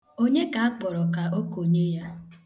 Onye ka akpọrọ ka o konye ya?